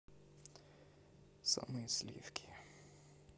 самые слики